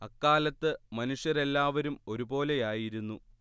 അക്കാലത്ത് മനുഷ്യരെല്ലാവരും ഒരുപോലെയായിരുന്നു